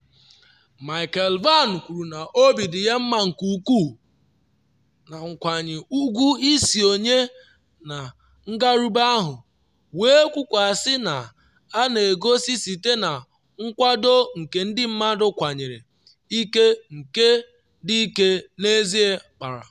Michael Vann kwuru na “obi dị ya mma nke ukwuu na nkwanyị ugwu isonye na ngarube ahụ” wee kwukwaa sị na “a na-egosi site na nkwado nke ndị mmadụ kwanyere ike nke dike n’ezie kpara.”